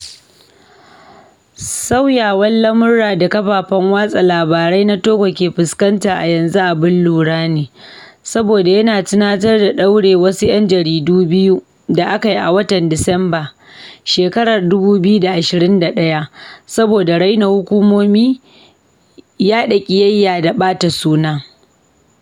Sauyawar lamura da kafafen watsa labarai na Togo ke fuskanta a yanzu abin lura ne, saboda yana tunatar da daure wasu yan jaridu biyu da akai a watan Disambar shekarar 2021, saboda raina hukumomi, yaɗa kiyayya da ɓata suna.